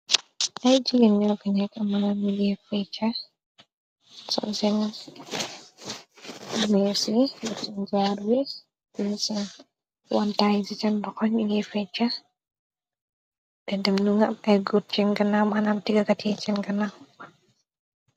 Ay jigén ñor gi ñekk amëna mf aniwersty rcingarwas vse wantaay zitandoxon milir fecca te dem nu ngab ay gur cin gana manam tigakatyi cin gëna.